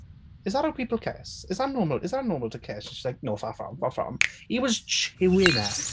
"Is that how people kiss? Is that normal is that normal to kiss?" She was like "No, far from, far from." He was chewing her!